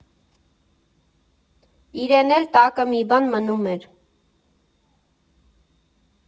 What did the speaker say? Իրեն էլ տակը մի բան մնում էր։